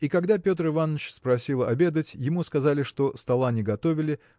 и когда Петр Иваныч спросил обедать ему сказали что стола не готовили